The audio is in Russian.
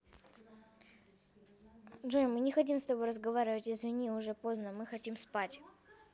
джой мы не хотим с тобой разговаривать извини уже поздно мы хотим спать